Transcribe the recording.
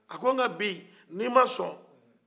a ko nka bi ni i masɔn